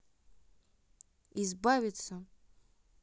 избавиться